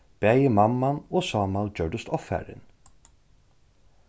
bæði mamman og sámal gjørdust ovfarin